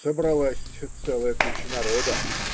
Собралась целая куча народа